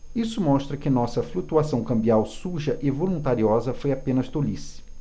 isso mostra que nossa flutuação cambial suja e voluntariosa foi apenas tolice